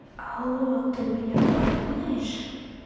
алло ты меня понимаешь